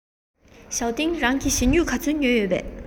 ཞའོ ཏུང རང གིས ཞྭ སྨྱུག ག ཚོད ཉོས ཡོད པས